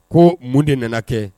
Ko mun de nana kɛ